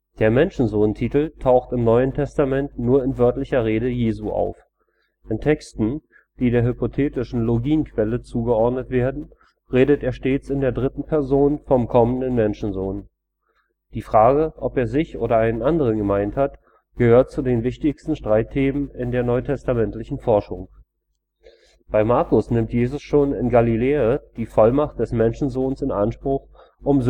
Der Menschensohn-Titel taucht im NT nur in wörtlicher Rede Jesu auf. In Texten, die der hypothetischen Logienquelle zugeordnet werden, redet er stets in der 3. Person vom „ kommenden “Menschensohn. Die Frage, ob er sich oder einen anderen gemeint hat, gehört zu den wichtigsten Streitthemen der NT-Forschung. Bei Markus nimmt Jesus schon in Galiläa die Vollmacht des Menschensohns in Anspruch, um